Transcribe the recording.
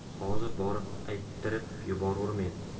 hozir borib ayttirib yuborurmen